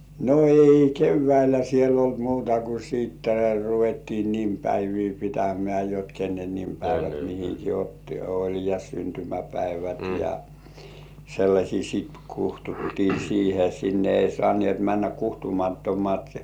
no ei keväällä siellä ollut muuta kuin sitten ruvettiin nimipäiviä pitämään jotta kenen nimipäivät mihinkin otti oli ja syntymäpäivät ja sellaisia sitten kutsuttiin siihen sinne ei saaneet mennä kutsumattomat